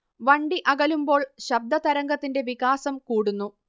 വണ്ടി അകലുമ്പോൾ ശബ്ദതരംഗത്തിന്റെ വികാസം കൂടുന്നു